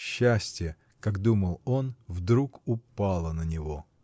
Счастье, как думал он, вдруг упало на него!